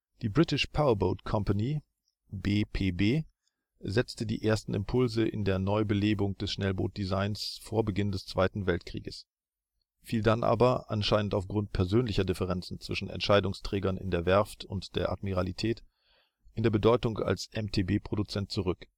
Die British Power Boat Company (BPB) setzte die ersten Impulse in der Neubelebung des Schnellbootdesigns vor Beginn des Zweiten Weltkrieges, fiel dann aber anscheinend aufgrund persönlicher Differenzen zwischen Entscheidungsträgern in der Werft und der Admiralität in der Bedeutung als MTB-Produzent zurück